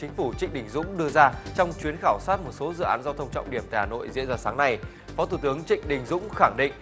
chính phủ trịnh đình dũng đưa ra trong chuyến khảo sát một số dự án giao thông trọng điểm hà nội diễn ra sáng nay phó thủ tướng trịnh đình dũng khẳng định